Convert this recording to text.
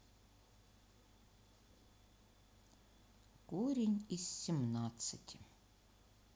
корень из семнадцати